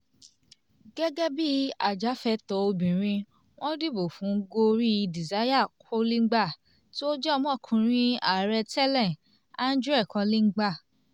Gẹ́gẹ́ bíi ajàfẹ́tọ̀ọ́ obìnrin, wọ́n dìbò fún un gorí Désiré Kolingba, tí ó jẹ́ ọmọkùnrin ààrẹ tẹ́lẹ̀, André Kolingba.